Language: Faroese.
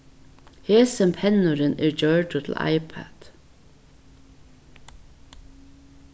hesin pennurin er gjørdur til ipad